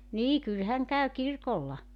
niin kyllä hän käy kirkolla